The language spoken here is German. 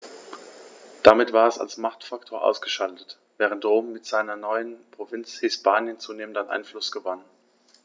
Damit war es als Machtfaktor ausgeschaltet, während Rom mit seiner neuen Provinz Hispanien zunehmend an Einfluss gewann.